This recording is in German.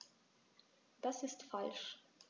Das ist falsch.